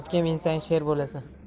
otga minsang sher bo'lasan